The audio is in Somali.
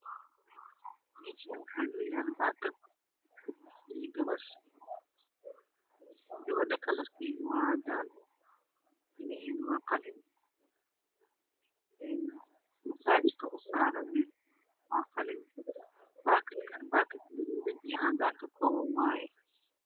Meshaan waxa inoo yala baakad, wxaa kaloo kujirtah ganadha. gabadha kalarkeedu waa cadaan masaagka usaarana wa qalin. paakadana wa baakada guduudan iyo caadan kakooban waye